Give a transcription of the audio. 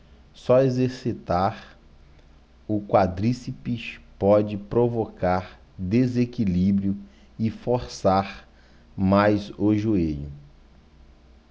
só exercitar o quadríceps pode provocar desequilíbrio e forçar mais o joelho